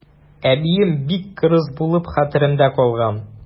Әбием бик кырыс булып хәтеремдә калган.